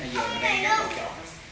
đây gắn